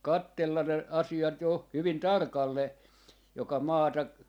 katsella ne asiat jo hyvin tarkalleen joka maata